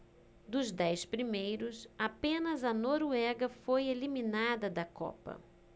dos dez primeiros apenas a noruega foi eliminada da copa